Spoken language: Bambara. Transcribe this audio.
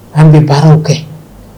An bɛ baaraw kɛ